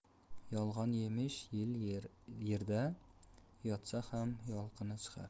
yolg'on yetmish yil yerda yotsa ham yolini chiqar